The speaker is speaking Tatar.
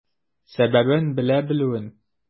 Сәбәбен белә белүен.